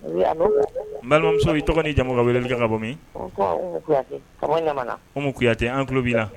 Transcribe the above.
Balimamuso tɔgɔ ni jamumu ka wele i kan ka bɔ min mutɛ an tulo b'i la